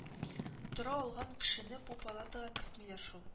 Тора алган кешене бу палатага кертмиләр шул